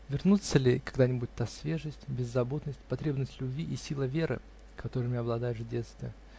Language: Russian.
Вернутся ли когда-нибудь та свежесть, беззаботность, потребность любви и сила веры, которыми обладаешь в детстве?